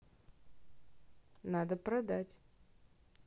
надо продать